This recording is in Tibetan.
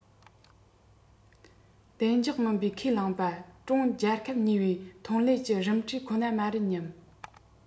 བདེ འཇགས མིན པའི ཁས བླངས པ ཀྲུང རྒྱལ ཁབ གཉིས པོའི ཐོན ལས ཀྱི རིམ གྲས ཁོ ན མ རེད སྙམ